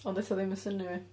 Ond eto ddim yn synnu fi.